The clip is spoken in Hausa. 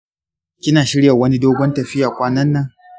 kina shirya wani dogon tafiya kwanan nan?